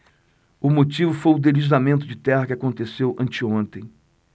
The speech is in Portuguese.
o motivo foi o deslizamento de terra que aconteceu anteontem